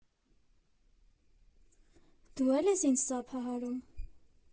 Դու է՞լ ես ինձ ծափահարում։